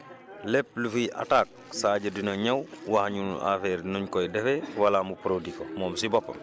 lépp lu fiy attaque Sadio dina ñëw wax ñu affaire yi nuñ koy defee wala mu produit ko moom si boppam